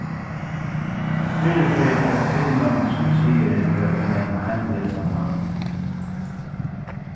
fyrru ferð er tað kvinnan sum sigur hetta við ein heimleysan mann